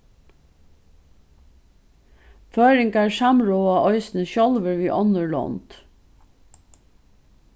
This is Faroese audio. føroyingar samráða eisini sjálvir við onnur lond